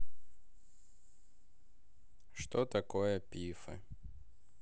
что такое пифы